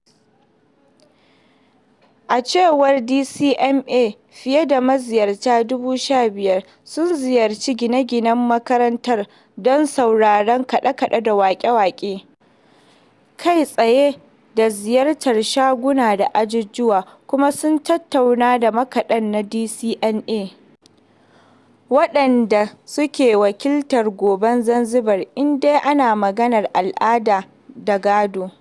A cewar DCMA, fiye da maziyarta 15,000 sun ziyarci gine-ginen makarantar don sauraron kaɗe-kaɗe da waƙe-waƙe kai tsaye da ziyartar shaguna da ajujuwa kuma sun tattauna da makaɗan na DCMA waɗanda suke wakiltar goben Zanzibar in dai ana maganar al'ada da gado.